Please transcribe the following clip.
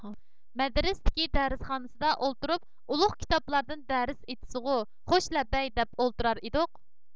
مەدرىستىكى دەرسخانىسىدا ئولتۇرۇپ ئۇلۇغ كىتابلاردىن دەرس ئېيتسىغۇ خوش لەببەي دەپ ئولتۇرار ئىدۇق